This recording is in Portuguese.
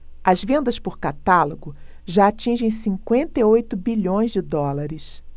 as vendas por catálogo já atingem cinquenta e oito bilhões de dólares